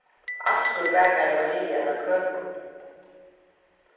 askur bakaði mariu eina køku